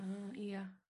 Mmm ia.